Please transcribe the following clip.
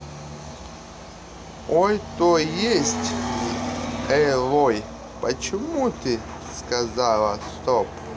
ой то есть злой почему ты сказала стоп